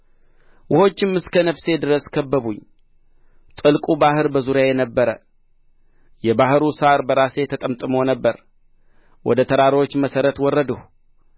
ውኆችም እስከ ነፍሴ ድረስ ከበቡኝ ጥልቁ ባሕር በዙሪያዬ ነበረ የባሕሩ ሣር በራሴ ተጠምጥሞ ነበር ወደ ተራሮች መሠረት ወረድሁ